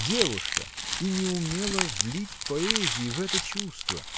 Девушка – и не умела влить поэзии в это чувство!